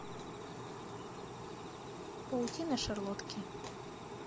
паутина шарлотки